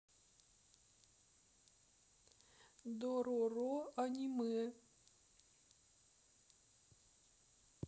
дороро аниме